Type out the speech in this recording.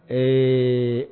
Ɛɛ